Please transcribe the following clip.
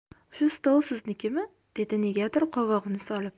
shu stol siznikimi dedi negadir qovog'ini solib